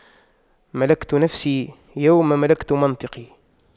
ملكت نفسي يوم ملكت منطقي